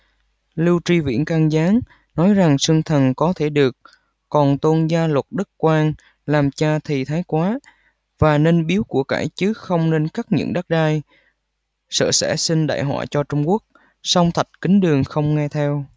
lưu tri viễn can gián nói rằng xưng thần có thể được còn tôn da luật đức quang làm cha thì thái quá và nên biếu của cải chứ không nên cắt nhượng đất đai sợ sẽ sinh đại họa cho trung quốc song thạch kính đường không nghe theo